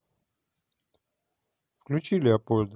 включи леопольда